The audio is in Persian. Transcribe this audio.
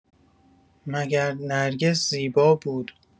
مگر نرگس زیبا بود؟